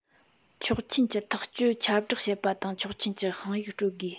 ཆོག མཆན གྱི ཐག བཅད ཁྱབ བསྒྲགས བྱེད པ དང ཆོག མཆན གྱི དཔང ཡིག སྤྲོད དགོས